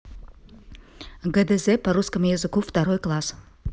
гдз по русскому языку второй класс